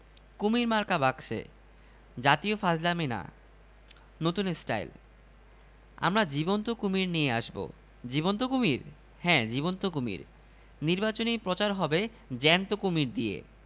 তা তো বটেই যুক্তিসংগত কথা আচ্ছা দু হাজারই নাও আমার দিকে একটু খেয়াল রাখবে তা তো রাখবোই প্রতীক কি পেয়েছেন খবর দিবেন আমরা বিবিসি শ্রবণ সমিতি আপনার পেছনে আছি